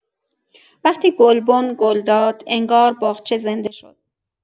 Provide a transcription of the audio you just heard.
وقتی گلبن گل داد، انگار باغچه زنده شد.